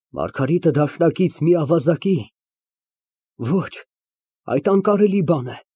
Մարգարիտը դաշնակից մի ավազակի։ Ոչ, այդ անկարելի բան է։